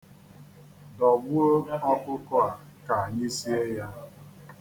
Dọgbuo ọkụkọ a ka anyị sie ya.